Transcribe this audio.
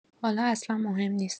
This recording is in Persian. حالا اصلا مهم نیست